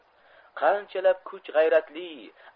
qanchalab kuch g'ayrati